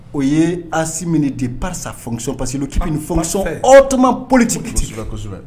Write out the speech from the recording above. O ye asi min de pasa fɔsɔn pa' fɔsɔn o tuma politi kosɛbɛ kosɛbɛ